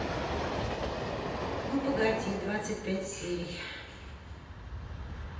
ну погоди двадцать пять серий